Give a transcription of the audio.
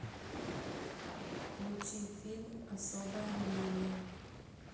включи фильм особое мнение